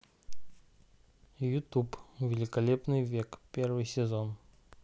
ютюб великолепный век первый сезон